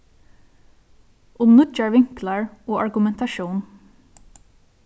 um nýggjar vinklar og argumentatión